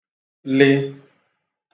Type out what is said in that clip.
lị